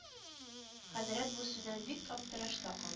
Хәзрәт бу сүздән бик аптырашта калды